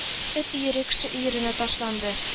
Эт өере кеше өеренә ташланды